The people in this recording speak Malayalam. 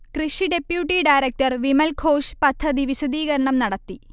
കൃഷി ഡെപ്യൂട്ടി ഡയറക്ടർ വിമൽഘോഷ് പദ്ധതി വിശദീകരണം നടത്തി